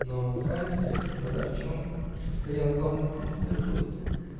Но знаете ли, господа, в чем состоял главный пункт моей злости?